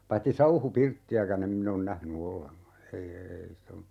paitsi sauhupirttiäkään en minä ole nähnyt ollenkaan ei ei sitä ole